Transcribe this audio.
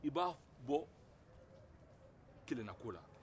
i b'a bɔ kelenna ko la